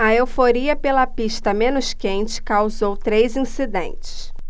a euforia pela pista menos quente causou três incidentes